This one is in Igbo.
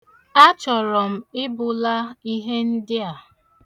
Achọrọ m ibula ihe ndị a.